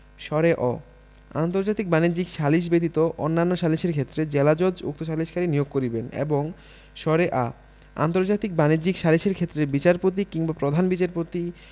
অ আন্তর্জাতিক বাণিজ্যিক সালিস ব্যতীত অন্যান্য সালিসের ক্ষেত্রে জেলাজজ উক্ত সালিসকারী নিয়োগ করিবেন এবং আ আন্তর্জাতিক বাণিজ্যিক সালিসের ক্ষেত্রে বিচারপতি বিংবা প্রধান বিচারপতি